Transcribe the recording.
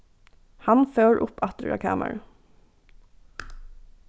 hann fór upp aftur á kamarið